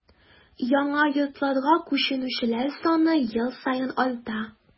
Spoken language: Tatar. Яңа йортларга күченүчеләр саны ел саен арта.